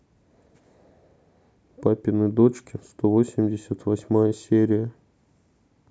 папины дочки сто восемьдесят восьмая серия